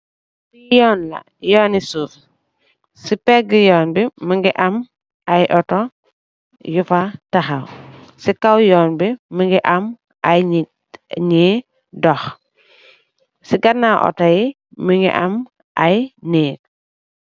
Li yun la yuni suff si pegi yun bi munge am aye autor yufa takhaw si kaw yun bi munge am aye nit yufy dokh si ganaw autor yi mungi am aye neek